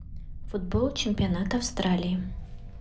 футбол чемпионат австралии